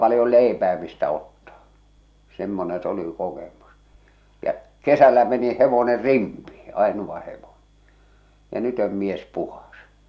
paljon leipää mistä ottaa semmoinen se oli kokemus ja kesällä meni hevonen rimpeen ainoa hevonen ja nyt on mies puhdas